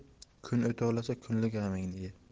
kun o'tovlasa kunlik g'amingni ye